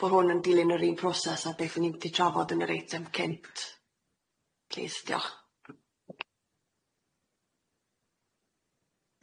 bo' hwn yn dilyn yr un proses a beth o'n i 'di trafod yn yr eitem cynt, plîs, diolch.